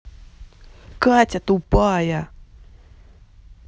катя тупая